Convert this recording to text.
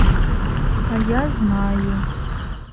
а я знаю